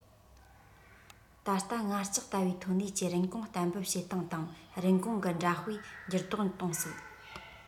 ད ལྟ ངར ལྕགས ལྟ བུའི ཐོན ལས ཀྱི རིན གོང གཏན འབེབས བྱེད སྟངས དང རིན གོང གི འདྲ དཔེ འགྱུར ལྡོག གཏོང སྲིད